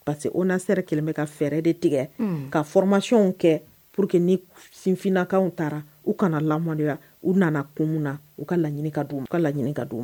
Parce que o na kelen bɛ ka fɛɛrɛ de tigɛ ka foromasiyw kɛ pour que ni sinfininakan taara u kana laya u nana kunun na u ka laɲini don u ka laɲinika don